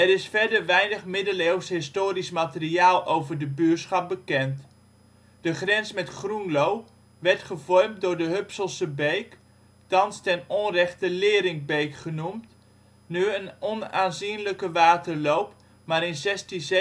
is verder weinig middeleeuws historisch materiaal over de buurschap bekend. De grens met Groenlo werd gevormd door de Hupselse beek (thans ten onrechte Leerinkbeek genoemd), nu een onaanzienlijke waterloop, maar in